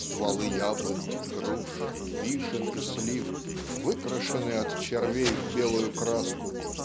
"Стволы яблонь, груш, вишен и слив выкрашены от червей в белую краску